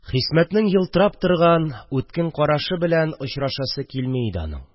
Хисмәтнең елтырап торган үткен карашы белән очрашасы килми иде аның